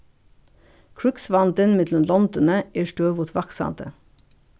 krígsvandin millum londini er støðugt vaksandi